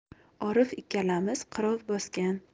orif ikkalamiz qirov bosgan